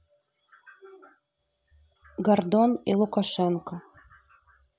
гордон и лукашенко